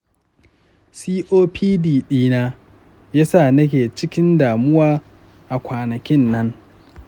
copd dina ya sa nake cikin damuwa a kwanakin nan.